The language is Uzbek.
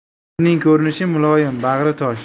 suvning ko'rinishi muloyim bag'ri tosh